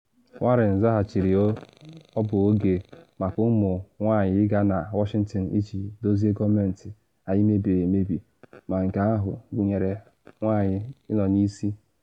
Warren zaghachiri ọ bụ oge “maka ụmụ nwanyị ịga na Washington iji dozie gọọmentị anyị mebiri emebi, ma nke ahụ gụnyere nwanyị ịnọ n’isi.”